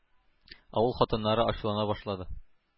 Авыл хатыннары ачулана башлады.